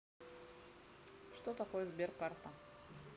что такое сберкарта